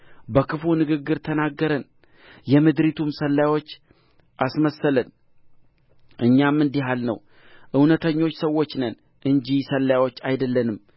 በክፉ ንግግር ተናገረን የምድሪቱም ሰላዮች አስመሰለን እኛም እንዲህ አልነው እውነተኞች ሰዎች ነን እንጂ ሰላዮች አይደለንም